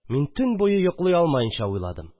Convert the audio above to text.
Мин төн буе йоклый алмаенча уйладым